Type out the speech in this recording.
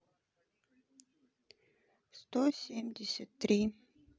сто семьдесят три